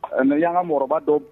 Mais yanga mɔgɔba dɔn